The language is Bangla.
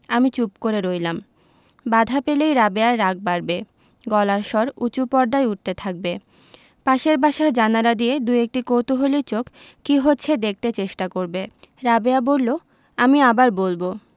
আমি চুপ করে রইলাম বাধা পেলেই রাবেয়ার রাগ বাড়বে গলার স্বর উচু পর্দায় উঠতে থাকবে পাশের বাসার জানালা দিয়ে দুএকটি কৌতুহলী চোখ কি হচ্ছে দেখতে চেষ্টা করবে রাবেয়া বললো আমি আবার বলবো